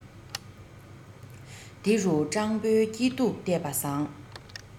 འདི རུ སྤྲང པོའི སྐྱིད སྡུག བལྟས པ བཟང